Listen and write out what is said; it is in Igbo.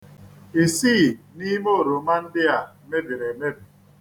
Isii n'ime oroma ndịa mebiri emebi.